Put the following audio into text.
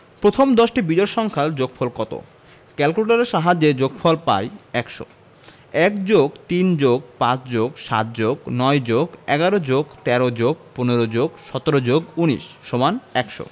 প্রথম দশটি বিজোড় সংখ্যার যোগফল কত ক্যালকুলেটরের সাহায্যে যোগফল পাই ১০০ ১যোগ৩যোগ৫যোগ৭যোগ৯যোগ১১যোগ১৩যোগ১৫যোগ১৭যোগ১৯সমান১০০